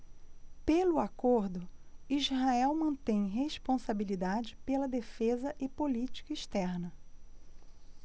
pelo acordo israel mantém responsabilidade pela defesa e política externa